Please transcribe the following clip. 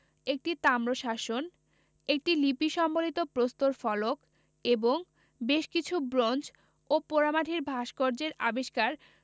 একটি তাম্রশাসন একটি লিপি সম্বলিত প্রস্তর ফলক এবং বেশ কিছু ব্রোঞ্জ ও পোড়ামাটির ভাস্কর্যের আবিষ্কার